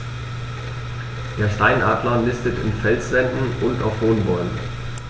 Der Steinadler nistet in Felswänden und auf hohen Bäumen.